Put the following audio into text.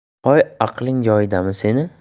hoy aqling joyidami seni